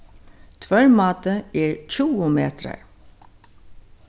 tvørmátið er tjúgu metrar